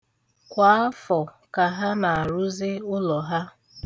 Kwa afọ ka ha na-arụzi ụlọ ha.